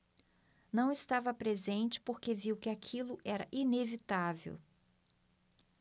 não estava presente porque viu que aquilo era inevitável